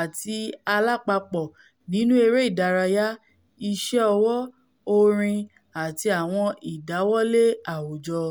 àti alápapọ̀ nínú eré ìdárayá, iṣẹ́-ọwọ́, orin àti àwọn ìdáwọlé àwùjọ.